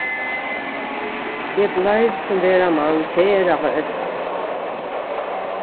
eg bleiv sum vera man sera forelskaður